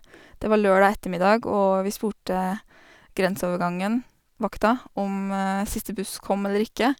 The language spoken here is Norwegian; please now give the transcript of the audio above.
Det var lørdag ettermiddag, og vi spurte grenseovergangen vakta om siste buss kom eller ikke.